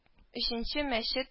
Өченче мәчет